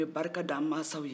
an bɛ barika da an maasaw ye